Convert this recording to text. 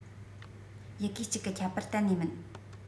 ཡི གེ གཅིག གི ཁྱད པར གཏན ནས མིན